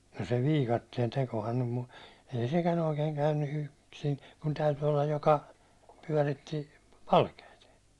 no se viikatteen tekohan nyt - ei sekään oikein käynyt yksin kun täytyi olla joka pyöritti palkeita